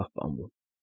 Պահպանվում։